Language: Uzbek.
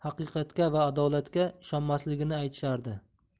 haqiqatga va adolatga ishonmasligini aytishardi